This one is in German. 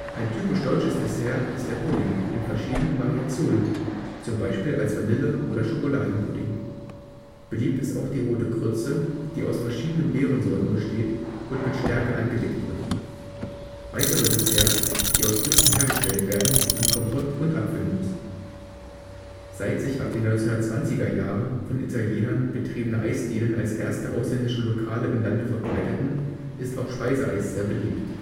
Ein typisch deutsches Dessert ist der Pudding in verschiedenen Variationen, z.B. als Vanille - oder Schokoladenpudding. Beliebt ist auch die Rote Grütze, die aus verschiedenen Beerensorten besteht und mit Stärke angedickt wird. Weitere Desserts, die aus Früchten hergestellt werden, sind Kompott und Apfelmus. Seit sich ab den 1920er Jahren von Italienern betriebene Eisdielen als erste ausländische Lokale im Lande verbreiteten, ist auch Speiseeis sehr beliebt